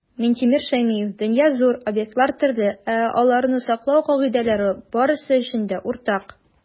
Минтимер Шәймиев: "Дөнья - зур, объектлар - төрле, ә аларны саклау кагыйдәләре - барысы өчен дә уртак".